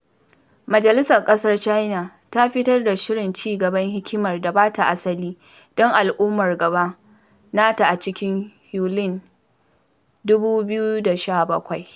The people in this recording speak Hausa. Majalisar Ƙasar China ta fitar da Shirin Ci Gaban Hikimar Da Ba Ta Asali Don Al’ummar Gaba nata a cikin Yulin 2017.